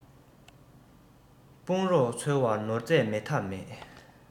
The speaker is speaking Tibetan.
དཔུང རོགས འཚོལ བར ནོར རྫས མེད ཐབས མེད